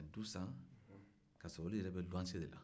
ka du san kasɔrɔ olu yɛrɛ bɛ luwanse la